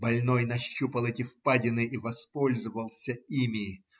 Больной нащупал эти впадины и воспользовался ими.